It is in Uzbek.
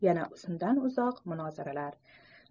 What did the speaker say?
yana uzundan uzoq munozaralar